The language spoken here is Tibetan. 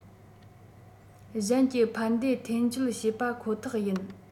གཞན གྱི ཕན བདེ འཐེན སྤྱོད བྱེད པ ཁོ ཐག ཡིན